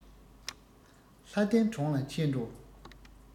ལྷ ལྡན གྲོང ལ ཆས འགྲོ